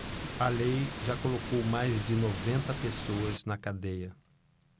a lei já colocou mais de noventa pessoas na cadeia